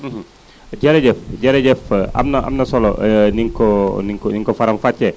jërëjëf jërëjëf am na am na solo ni nga ko ni nga ko ni nga ko faram-fàccee